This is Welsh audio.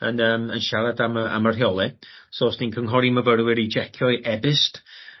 yn yym yn siarad am y am y rheole. so os ni'n cynghori myfyrwyr i jecio'u e-byst